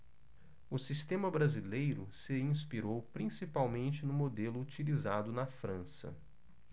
o sistema brasileiro se inspirou principalmente no modelo utilizado na frança